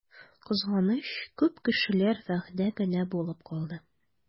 Кызганыч, күп эшләр вәгъдә генә булып калды.